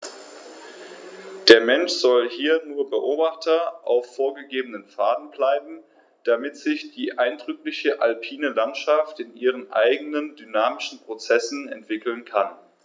Der Mensch soll hier nur Beobachter auf vorgegebenen Pfaden bleiben, damit sich die eindrückliche alpine Landschaft in ihren eigenen dynamischen Prozessen entwickeln kann.